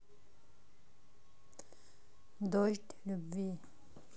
дождь любви